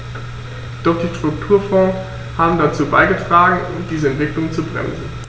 Doch die Strukturfonds haben dazu beigetragen, diese Entwicklung zu bremsen.